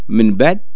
من بعد